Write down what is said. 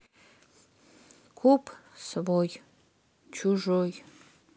куб свой чужой